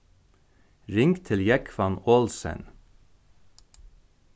ring til jógvan olsen